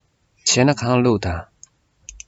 བྱས ན གང བླུགས དང